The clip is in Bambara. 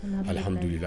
Alihamududu la